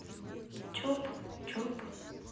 чоп чоп